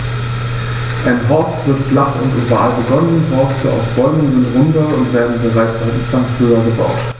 Ein Horst wird flach und oval begonnen, Horste auf Bäumen sind runder und werden bereits anfangs höher gebaut.